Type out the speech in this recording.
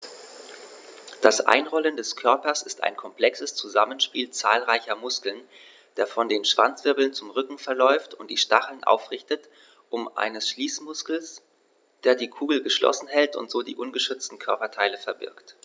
Das Einrollen des Körpers ist ein komplexes Zusammenspiel zahlreicher Muskeln, der von den Schwanzwirbeln zum Rücken verläuft und die Stacheln aufrichtet, und eines Schließmuskels, der die Kugel geschlossen hält und so die ungeschützten Körperteile verbirgt.